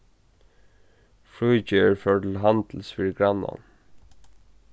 fríðgerð fór til handils fyri grannan